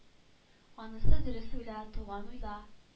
Анысы дөрес уйла туган уйла